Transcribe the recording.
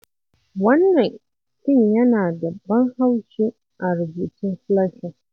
Wannan kin yana da ban haushi, a rubutun Fleischer.